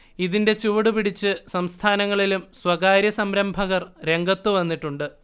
ഇതിന്റെ ചുവടുപിടിച്ച് സംസ്ഥാനങ്ങളിലും സ്വകാര്യ സംരംഭകർ രംഗത്തു വന്നിട്ടുണ്ട്